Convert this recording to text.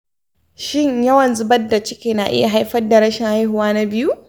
shin yawan zubar da ciki na iya haifar da rashin haihuwa na biyu?